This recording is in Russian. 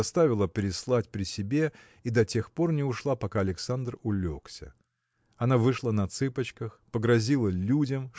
заставила перестлать при себе и до тех пор не ушла пока Александр улегся. Она вышла на цыпочках погрозила людям